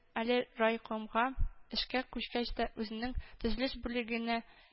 Әле райкомга эшкә күчкәч тә үзенең төзелеш бүлегенә